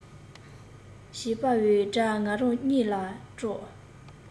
བྱེད པའི སྒྲས ང རང གཉིད ལས དཀྲོགས